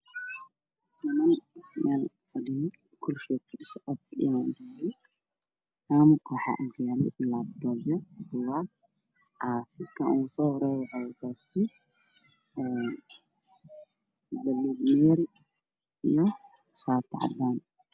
Inan kursi ku fadhiyo muxuu horyaalo laabto ma been wuxuu qabaa dhacdaan ah sarwaal ka